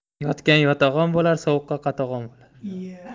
yotgan yotag'on bo'lar sovuqqa qotog'on bo'lar